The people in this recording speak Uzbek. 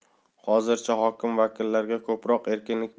hozircha hokim vakillarga ko'proq erkinlik